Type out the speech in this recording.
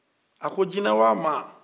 a ko jinɛ wa mɔgɔ